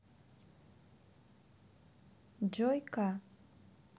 джой к